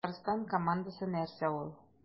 Татарстан командасы нәрсә ул?